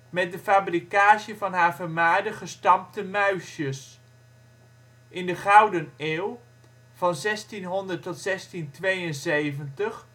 met de fabricage van haar vermaarde gestampte muisjes. In de Gouden Eeuw, van 1600 tot